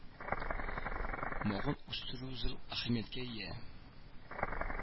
Магын үстерү зур әһәмияткә ия